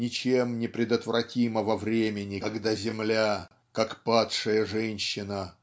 ничем не предотвратимого времени когда земля как падшая женщина